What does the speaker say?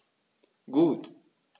Gut.